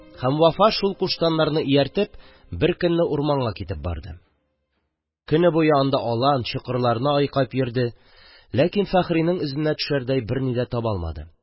Һәм Вафа, шул куштаннарны ияртеп, беркөнне урманга китеп барды, көне буе анда алан, чокырларны айкап йөрде, ләкин Фәхринең эзенә төшәрдәй берни дә таба алмады.